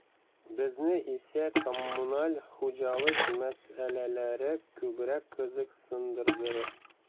Безне исә коммуналь хуҗалык мәсьәләләре күбрәк кызыксындырды.